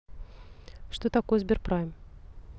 что такое сберпрайм